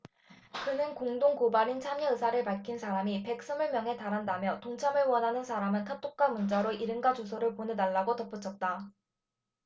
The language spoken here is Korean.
그는 공동 고발인 참여 의사를 밝힌 사람이 백 스물 명에 달한다며 동참을 원하는 사람은 카톡과 문자로 이름과 주소를 보내달라고 덧붙였다